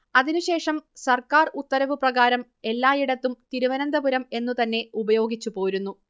അതിനു ശേഷം സർക്കാർ ഉത്തരവു പ്രകാരം എല്ലായിടത്തും തിരുവനന്തപുരംഎന്നുതന്നെ ഉപയോഗിച്ചുപോരുന്നു